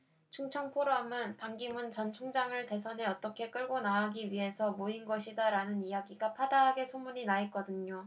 충청포럼은 반기문 전 총장을 대선에 어떻게 끌고 나가기 위해서 모인 것이다라는 이야기가 파다하게 소문이 나 있거든요